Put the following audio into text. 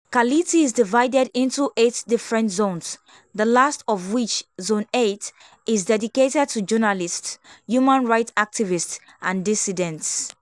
Kality is divided into eight different zones, the last of which — Zone Eight — is dedicated to journalists, human right activists and dissidents.